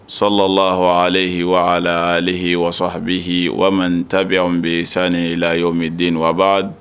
Sɔrɔlalalah ale aleyi wasɔ habiyi walima tabiya bɛ sa ni layo min den waba